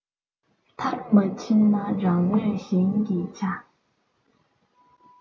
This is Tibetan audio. མཐར མ ཕྱིན ན རང གནོད གཞན གྱིས འཕྱ